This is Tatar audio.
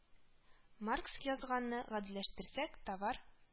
Маркс язганны гадиләштерсәк, товар